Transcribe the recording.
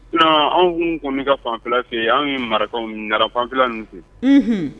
Anw kun kɔni ka fanfi fɛ yen an ye marakaw mara fanffi ninnu ye